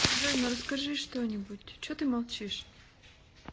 джой ну расскажи что нибудь че ты молчишь